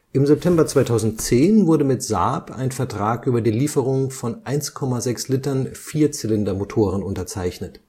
Im September 2010 wurde mit SAAB ein Vertrag über die Lieferung von 1,6 l 4-Zylinder Motoren unterzeichnet